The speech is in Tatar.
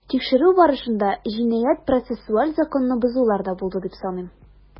Тикшерү барышында җинаять-процессуаль законны бозулар да булды дип саныйм.